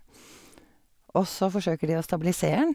Og så forsøker de å stabilisere han.